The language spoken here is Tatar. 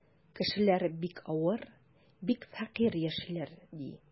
Кешеләр бик авыр, бик фәкыйрь яшиләр, ди.